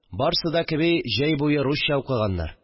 Барсы да кеби җәй буе русча укыганнар